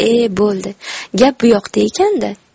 e bo'ldi gap buyoqda ekan da